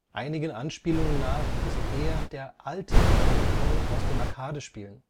einigen Anspielungen nach ist er der „ alte “Donkey Kong aus den Arcade-Spielen